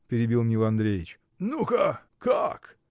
— перебил Нил Андреич, — ну-ка: как?